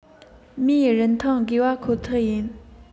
མིའི རིན ཐང དགོས པ ཁོ ཐག ཡིན